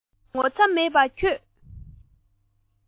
ངོ ཚ མེད པ ཁྱོད